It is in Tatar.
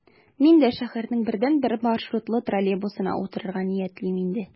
Мин дә шәһәрнең бердәнбер маршрутлы троллейбусына утырырга ниятлим инде...